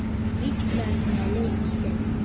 Бик мәгънәле исем.